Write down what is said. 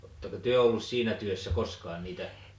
oletteko te ollut siinä työssä koskaan niitä